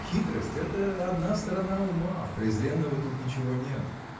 Хитрость – это одна сторона ума; презренного тут ничего нет.